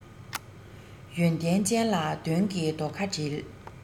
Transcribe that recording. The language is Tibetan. ཡོན ཏན ཅན ལ དོན གྱི རྡོ ཁ སྒྲིལ